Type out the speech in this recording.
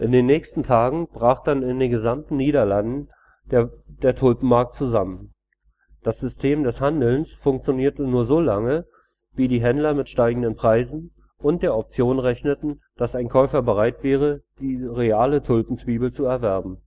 den nächsten Tagen brach dann in den gesamten Niederlanden der Tulpenmarkt zusammen. Das System des Handels funktionierte nur so lange, wie die Händler mit steigenden Preisen und der Option rechneten, dass ein Käufer bereit wäre, die reale Tulpenzwiebel zu erwerben